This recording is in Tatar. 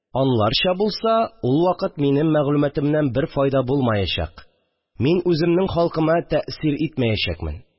Анларча булса, ул вакыт минем мәгълүматымнан бер файда булмаячак, мин үземнең халкыма тәэсир итмәячәкмен